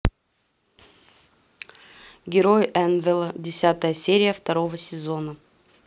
герои энвелла десятая серия второго сезона